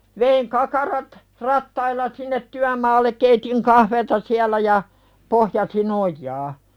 vein kakarat rattailla sinne työmaalle keitin kahvia siellä ja pohjasin ojaa